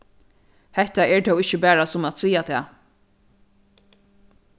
hetta er tó ikki bara sum at siga tað